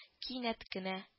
Кинәт кенә